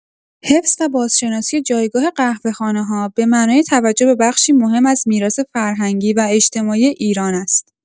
حفظ و بازشناسی جایگاه قهوه‌خانه‌ها، به معنای توجه به بخشی مهم از میراث‌فرهنگی و اجتماعی ایران است.